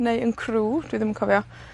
Neu yn Crew. Dwi ddim yn cofio.